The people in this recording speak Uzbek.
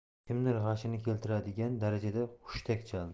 kimdir g'ashni keltiradigan darajada hushtak chaldi